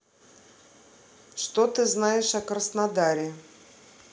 что ты знаешь о краснодаре